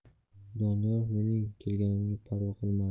doniyor mening kelganimga parvo qilmadi